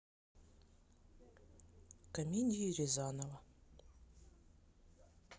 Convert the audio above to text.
комедии рязанова